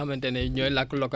jagleel ko askan bi